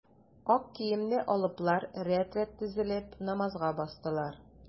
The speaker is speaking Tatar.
Ак киемле алыплар рәт-рәт тезелеп, намазга бастылар.